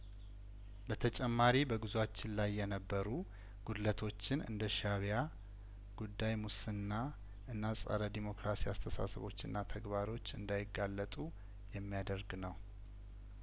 በተጨማሪ በጉዞአችን ላይ የነበሩ ጉድለቶችን እንደሻእቢያ ጉዳይ ሙስና እና ጸረ ዲሞክራሲ አስተሳሰቦችና ተግባሮች እንዳይጋለጡ የሚያደርግ ነው